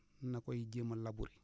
na koy jéem a labourer